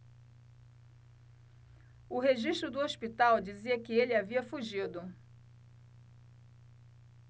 o registro do hospital dizia que ele havia fugido